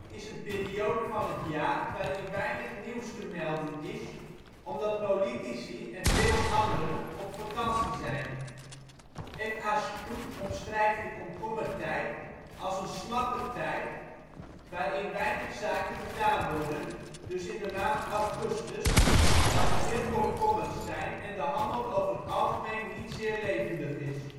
is een periode van het jaar waarin weinig nieuws te melden is omdat politici en veel anderen op vakantie zijn. F.A. Stoett omschrijft de komkommertijd als een slappe tijd, waarin weinig zaken gedaan worden, dus in de maand augustus, als er veel komkommers zijn en de handel over het algemeen niet zeer levendig is